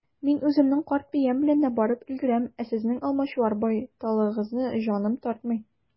Мин үземнең карт биям белән дә барып өлгерәм, ә сезнең алмачуар байталыгызны җаным тартмый.